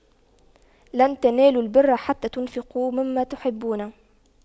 لَن تَنَالُواْ البِرَّ حَتَّى تُنفِقُواْ مِمَّا تُحِبُّونَ